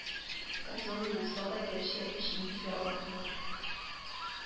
Казенный булса да гәрчә, эчим дисә аракы бар